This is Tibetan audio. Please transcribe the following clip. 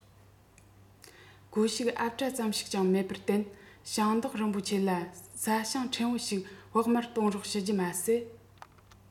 སྒོ ཕྱུགས ཨབ བྲ ཙམ ཞིག ཀྱང མེད པར བརྟེན ཞིང བདག རིན པོ ཆེ ལ ས ཞིང ཕྲན བུ ཞིག བོགས མར གཏོང རོགས ཞུ རྒྱུ མ ཟད